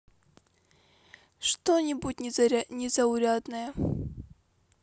что нибудь незаурядное